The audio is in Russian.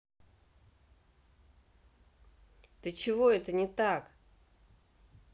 ты чего это не так